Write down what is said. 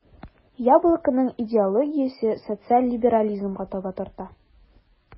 "яблоко"ның идеологиясе социаль либерализмга таба тарта.